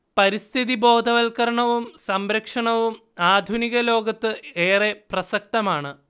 പരിസ്ഥി ബോധവൽക്കരണവും സംരക്ഷണവും ആധുനിക ലോകത്ത് ഏറെ പ്രസക്തമാണ്